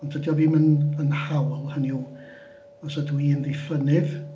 Ond dydi o ddim yn yn hawl, hynny yw os ydw i'n ddiffynnydd...